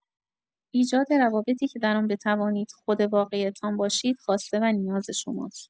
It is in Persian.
ایجاد روابطی که در آن بتوانید خود واقعی‌تان باشید خواسته و نیاز شماست.